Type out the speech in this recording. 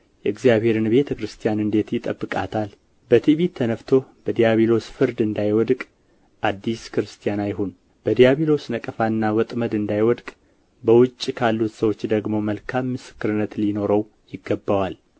የእግዚአብሔርን ቤተ ክርስቲያን እንዴት ይጠብቃታል በትዕቢት ተነፍቶ በዲያቢሎስ ፍርድ እንዳይወድቅ አዲስ ክርስቲያን አይሁን በዲያቢሎስ ነቀፋና ወጥመድም እንዳይወድቅ በውጭ ካሉት ሰዎች ደግሞ መልካም ምስክር ሊኖረው ይገባዋል